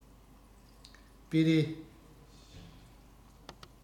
སྤེལ རེས